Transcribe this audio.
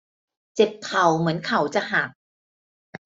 เจ็บเข่าเหมือนเข่าจะหัก